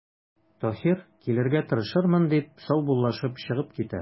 Таһир:– Килергә тырышырмын,– дип, саубуллашып чыгып китә.